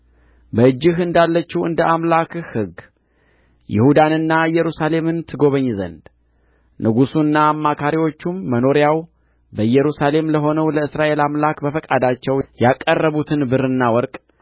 በእጅህ እንዳለችው እንደ አምላክህ ሕግ ይሁዳንና ኢየሩሳሌምን ትጐበኝ ዘንድ ንጉሡንና አማካሪዎቹም መኖሪያው በኢየሩሳሌም ለሆነው ለእስራኤል አምላክ በፈቃዳቸው ያቀረቡትን ብርና ወርቅ